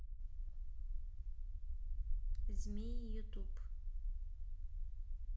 змеи ютуб